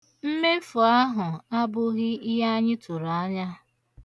Mmefu ahụ abụghị ihe anyị tụrụ anya.